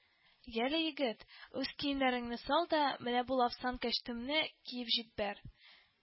– яле, егет, уз киемнәреңне сал да, менә бу лавсан кәчтүмне киеп җиппәр